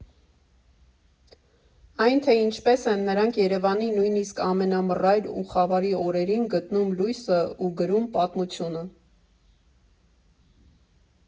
Այն, թե ինչպես են նրանք Երևանի նույնիսկ ամենամռայլ ու խավար օրերին գտնում լույսը և գրում պատմությունը։